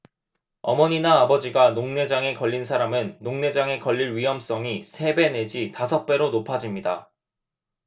어머니나 아버지가 녹내장에 걸린 사람은 녹내장에 걸릴 위험성이 세 배 내지 다섯 배로 높아집니다